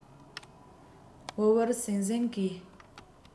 འུར འུར ཟིང ཟིང གིས